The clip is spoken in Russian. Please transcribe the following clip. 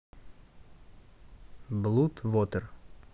блуд вотер